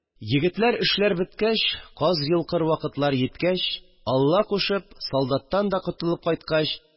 Егетләр, эшләр беткәч, каз йолкыр вакытлар йиткәч, Алла кушып, солдаттан да котылып кайткач